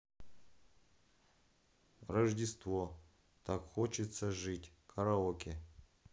рождество так хочется жить караоке